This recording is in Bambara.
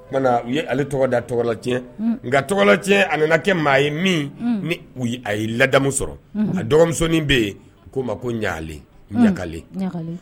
O u ye ale tɔgɔ da tɔgɔc nka tɔgɔ a nana kɛ maa ye min a ye ladamu sɔrɔ a dɔgɔ bɛ yen'o ma ko ɲaga ɲagakalen